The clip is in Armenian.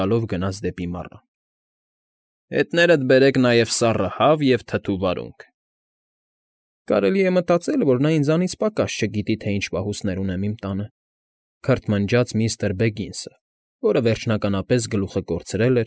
Գալով գնաց դեպի մառան։ ֊ Հետներդ բերեք նաև սառը հավ և թթու վարունգ… «Կարելի է մտածել, որ նա ինձանից պակաս չգիտի, թե ինչ պահուստներ ունեմ իմ տանը», ֊ քրթմնջաց միստր Բեգինսը, որը վերջնականապես գլուխը կորցրել։